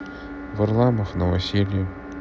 варламов новоселье